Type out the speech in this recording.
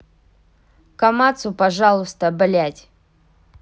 комацу пожалуйста блядь